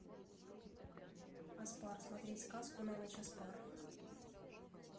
аспар смотреть сказку на ночь аспар